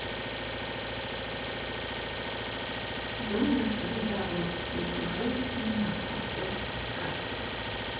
дом ночных дорог я кружилась с ним на авто сказки